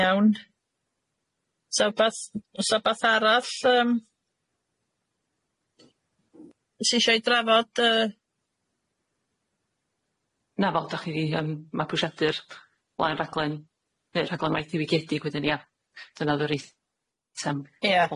Iawn. Sa wbath osa wbath arall yym sy isio i drafod yy... Na fo dach chi yym mabwysiadu'r blaen raglen neu' rhaglen waith ddiwygiedig wedyn ia dyna o'dd yr eith- t'am olaf ma. ...ia.